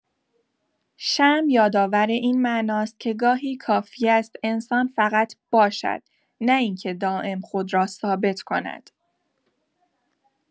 شمع یادآور این معناست که گاهی کافی است انسان فقط «باشد»، نه این‌که دائم خود را ثابت کند.